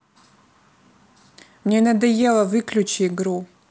мне надоело выключи игру